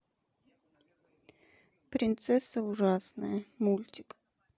принцесса ужасная мультик